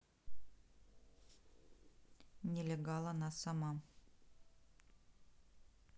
нелегал она сама